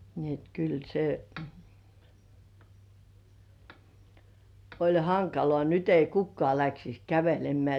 niin että kyllä se oli hankalaa nyt ei kukkaan lähtisi kävelemään